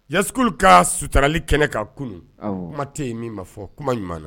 Yaskulu ka sutarali kɛnɛ kan kunun kuma tɛ ye min man fɔ kuma